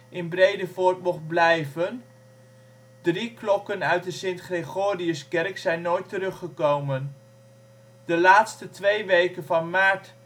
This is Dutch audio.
in Bredevoort mocht blijven, drie klokken uit de St. Gregoriuskerk zijn nooit teruggekomen. De laatste twee weken van maart